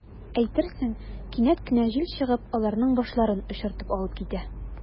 Әйтерсең, кинәт кенә җил чыгып, аларның “башларын” очыртып алып китә.